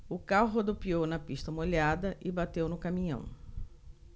o carro rodopiou na pista molhada e bateu no caminhão